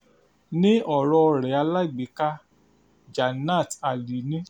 Ni ọ̀rọ̀ọ rẹ̀ alágbèékáa Jannat Ali ní: